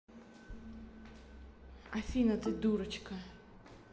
афина ты дурочка